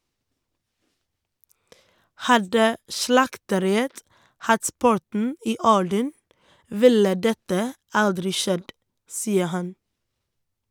- Hadde slakteriet hatt porten i orden, ville dette aldri skjedd, sier han.